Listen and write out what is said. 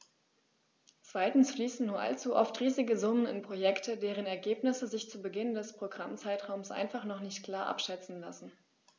Zweitens fließen nur allzu oft riesige Summen in Projekte, deren Ergebnisse sich zu Beginn des Programmzeitraums einfach noch nicht klar abschätzen lassen.